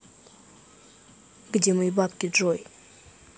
где мои бабки джой